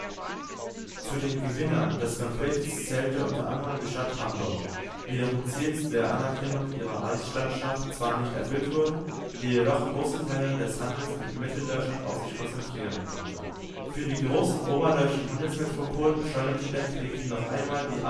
Zu den Gewinnern des Konfliktes zählte unter anderem die Stadt Hamburg, deren Ziel der Anerkennung ihrer Reichsstandschaft zwar nicht erfüllt wurde, die jedoch große Teile des Handels mit Mitteldeutschland auf sich konzentrieren konnte. Für die großen oberdeutschen Handelsmetropolen beschleunigte der Krieg noch einmal die